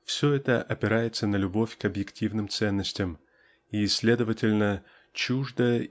все это опирается на любовь к объективным ценностям и следовательно чуждо